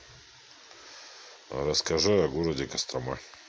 расскажи о городе кострома